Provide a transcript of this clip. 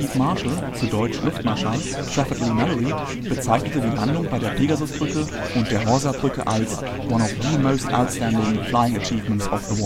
Marschall (Luftmarschall) Trafford Leigh-Mallory bezeichnete die Landung bei der Pegasusbrücke und der Horsabrücke als " one of the most outstanding flying achievements of the war